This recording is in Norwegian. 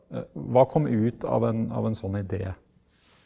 hva kom ut av en av en sånn idé?